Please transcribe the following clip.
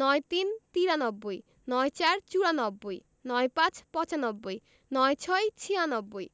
৯৩ - তিরানব্বই ৯৪ – চুরানব্বই ৯৫ - পচানব্বই ৯৬ - ছিয়ানব্বই